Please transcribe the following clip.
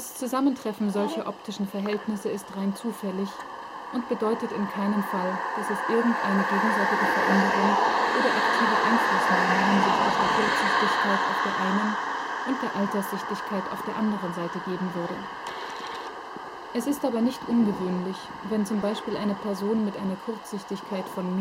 Zusammentreffen solcher optischen Verhältnisse ist rein zufällig und bedeutet in keinem Fall, dass es irgendeine gegenseitige Veränderung oder aktive Einflussnahme hinsichtlich der Kurzsichtigkeit auf der einen und der Alterssichtigkeit auf der anderen Seite geben würde. Es ist aber nicht ungewöhnlich, wenn zum Beispiel eine Person mit einer Kurzsichtigkeit von